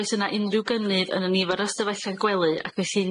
oes yna unrhyw gynnydd yn y nifer y stafellau'n gwely ac felly